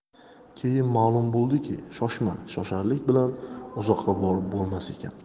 keyin ma'lum bo'ldiki shoshma shosharlik bilan uzoqqa borib bo'lmas ekan